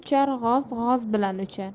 g'oz g'oz bilan uchar